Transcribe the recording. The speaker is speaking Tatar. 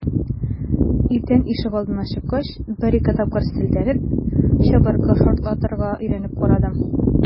Иртән ишегалдына чыккач, бер-ике тапкыр селтәнеп, чыбыркы шартлатырга өйрәнеп карадым.